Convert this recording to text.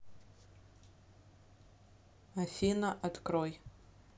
афина открой